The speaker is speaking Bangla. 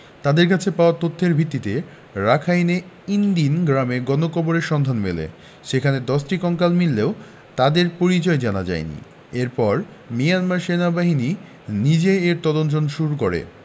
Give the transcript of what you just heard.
তাঁদের কাছে পাওয়া তথ্যের ভিত্তিতে রাখাইনের ইন দিন গ্রামে গণকবরের সন্ধান মেলে সেখানে ১০টি কঙ্কাল মিললেও তাদের পরিচয় জানা যায়নি এরপর মিয়ানমার সেনাবাহিনী নিজেই এর তদন্ত শুরু করে